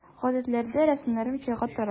Гәзитләрдә рәсемнәрем чыга тора.